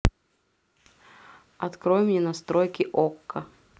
открой мне настройки окко